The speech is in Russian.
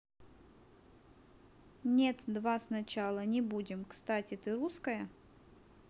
нет два сначала не будем кстати ты русская